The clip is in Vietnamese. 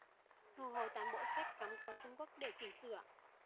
thu hồi toàn bộ sách cắm cờ trung quốc để chỉnh sửa